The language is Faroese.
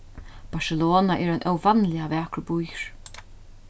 barcelona er ein óvanliga vakur býur